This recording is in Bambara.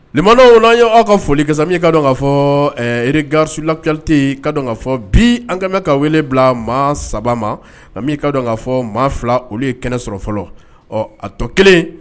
Man na y aw ka foli ka ka dɔn kaa fɔ yiri gasilakite ka dɔn ka fɔ bi an kɛmɛ ka wele bila maa saba ma ka dɔn ka fɔ maa fila olu ye kɛnɛ sɔrɔ fɔlɔ ɔ a tɔ kelen